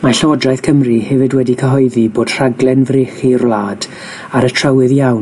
Mae Llywodraeth Cymru hefyd wedi cyhoeddi bod rhaglen frechu'r wlad ar y trywydd iawn